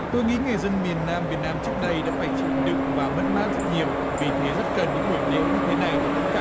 tôi nghĩ người dân miền nam việt nam trước đây đã phải chịu đựng và mất mát rất nhiều vì thế rất cần những buổi lễ như thế này để tất cả